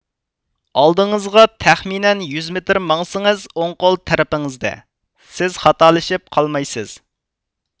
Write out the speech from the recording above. ئالدىڭىزىغا تەخمىنەن يۈز مېتىر ماڭسىڭىز ئوڭ قول تەرىپىڭىزدە سىز خاتالىشىپ قالمايسىز